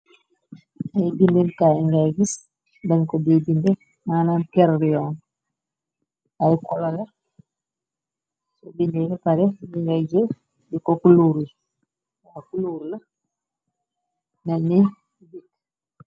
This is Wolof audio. Ay bindakaay ngay gis dañ ko di binde manam kerrion ay colala so binde bapare bi ngay jel di ko kuloore waw kuloor la melni.